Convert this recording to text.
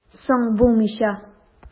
Соң, булмыйча!